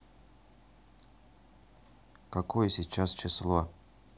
какое сейчас число